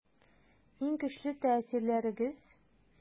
Иң көчле тәэсирләрегез?